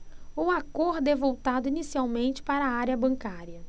o acordo é voltado inicialmente para a área bancária